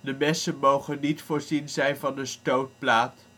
messen mogen niet voorzien zijn van een stootplaat